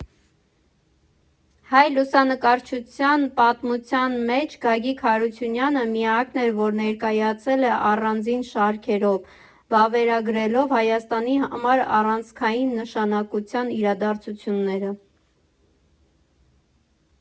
Հայ լուսանկարչության պատմության մեջ Գագիկ Հարությույանը միակն էր, որ ներկայացել է առանձին շարքերով՝ վավերագրելով Հայաստանի համար առանցքային նշանակության իրադարձությունները։